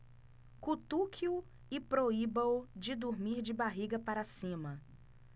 cutuque-o e proíba-o de dormir de barriga para cima